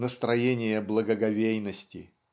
настроение благоговейности.